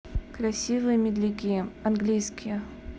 красивые медляки английские